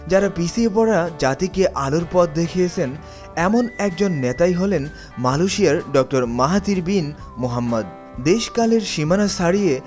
যারা পিছিয়ে পড়া জাতিকে আলোর পথ দেখিয়েছেন এমন একজন নেতাই হলেন মালয়েশিয়ার ডক্টর মাহাথির বিন মোহাম্মদ দেশ-কালের সীমানা ছাড়িয়ে